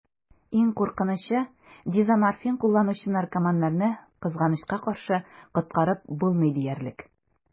Иң куркынычы: дезоморфин кулланучы наркоманнарны, кызганычка каршы, коткарып булмый диярлек.